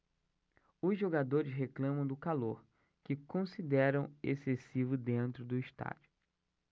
os jogadores reclamam do calor que consideram excessivo dentro do estádio